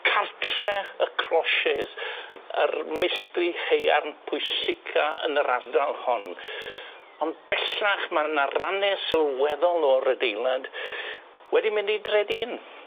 Cartre y Crauchetes yr meistri haearn pwysica yn yr ardal hon on' bellach ma' 'na rane sylweddol o'r adeilad wedi mynd i dredîn.